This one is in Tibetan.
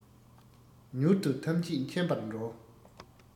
མྱུར དུ ཐམས ཅད མཁྱེན པར འགྲོ